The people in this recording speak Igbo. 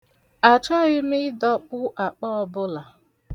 Achọghị m ịdọkpụ akpa ọbụla.